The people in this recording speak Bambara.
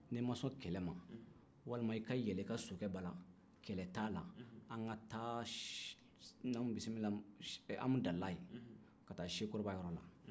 n'i ma sɔn kɛlɛ ma walima i ka yɛlɛ i ka sokɛ bala kɛlɛ t'a la an ka taa amudalayi ka taa sekokɔrɔba yɔrɔ la